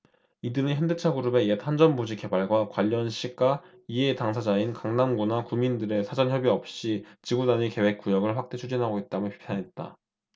이들은 현대차그룹의 옛 한전부지 개발과 관련 시가 이해당사자인 강남구나 구민들과 사전협의없이 지구단위계획구역을 확대 추진하고 있다며 비판했다